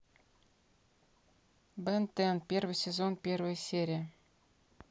бен тен первый сезон первая серия